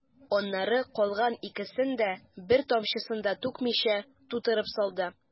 Аннары калган икесенә дә, бер тамчысын да түкмичә, тутырып салды.